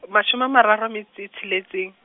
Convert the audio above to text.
mashome a mararo a metso e tsheletseng.